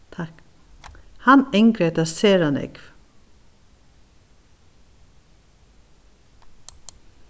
hann angrar tað sera nógv